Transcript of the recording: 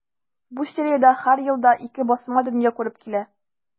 Бу сериядә һәр елда ике басма дөнья күреп килә.